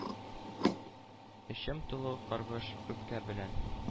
Эчем тулы каргыш, үпкә белән